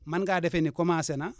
man ngaa defe ne commencé na